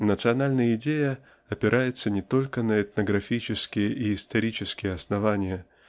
Национальная идея опирается не только на этнографические и исторические основания